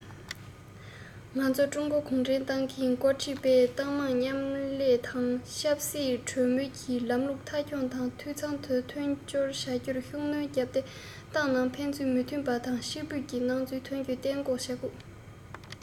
ང ཚོས ཀྲུང གོ གུང ཁྲན ཏང གིས འགོ ཁྲིད པའི ཏང མང མཉམ ལས དང ཆབ སྲིད གྲོས མོལ གྱི ལམ ལུགས མཐའ འཁྱོངས དང འཐུས ཚང དུ མཐུན སྦྱོར བྱ རྒྱུར ཤུགས སྣོན བརྒྱབ སྟེ ཏང ནང ཕན ཚུན མི མཐུན པ དང ཕྱིར འབུད ཀྱི སྣང ཚུལ ཐོན རྒྱུ གཏན འགོག བྱེད དགོས